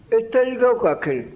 italikaw ka kɛnɛ